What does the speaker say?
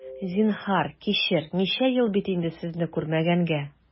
Зинһар, кичер, ничә ел бит инде сезне күрмәгәнгә!